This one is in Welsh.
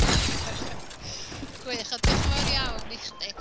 Gwych. Wel, diolch yn fawr iawn i chdi.